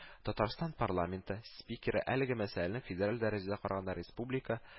Татарстан парламенты спикеры әлеге мәсьәләне федераль дәрәҗәдә караганда республика